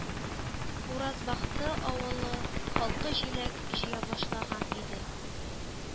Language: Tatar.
“уразбахты авылы халкы җиләк җыя башлаган инде”